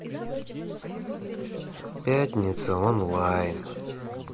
пятница онлайн